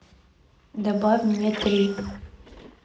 добавь мне три